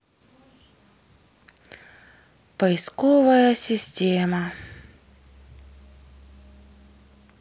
поисковая система